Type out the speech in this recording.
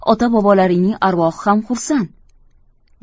ota bobolaringning arvohi ham xursand